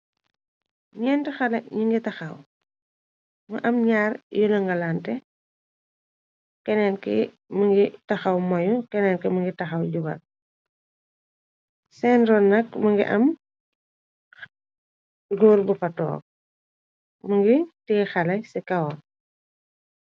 Nente xale nuge taxaw mu am nyarr yu ragalanteh kenenke ki muge taxaw moyu kenenke ki mingi taxaw jubal sen ron nak muge am góor bu fa tonke muge teye xale ci kawam.